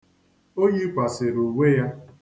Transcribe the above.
O yikwasiri uwe ya.